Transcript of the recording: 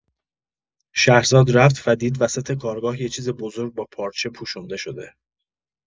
شهرزاد رفت و دید وسط کارگاه یه چیز بزرگ با پارچه پوشونده شده.